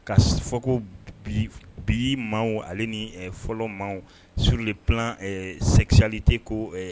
Ka fɔko bi bi maaw ale ni fɔlɔma surp sɛsali tɛ ko